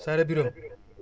Saare Birame